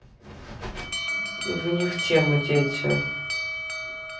вы не в тему дети